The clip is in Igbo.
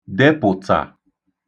depụ̀tà